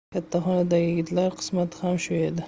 katta xonadagi yigitlar qismati ham shu edi